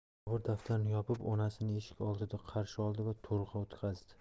bobur daftarini yopib onasini eshik oldida qarshi oldi va to'rga o'tqazdi